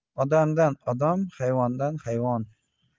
odamdan odam hayvondan hayvon